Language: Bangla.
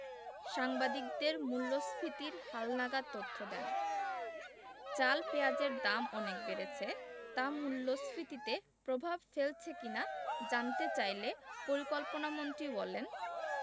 সাংবাদিকদের মূল্যস্ফীতির হালনাগাদ তথ্য দেন চাল পেঁয়াজের দাম অনেক বেড়েছে তা মূল্যস্ফীতিতে প্রভাব ফেলছে কি না জানতে চাইলে পরিকল্পনামন্ত্রী বলেন